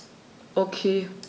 Okay.